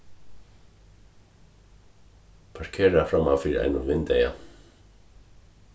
parkera framman fyri einum vindeyga